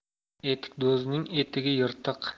etikdo'zning etigi yirtiq